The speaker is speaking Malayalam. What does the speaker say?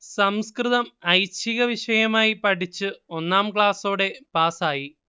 സംസ്കൃതം ഐച്ഛികവിഷയമായി പഠിച്ചു ഒന്നാം ക്ലാസ്സോടെ പാസ്സായി